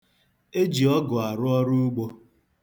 E ji ọgụ arụ ọruugbo.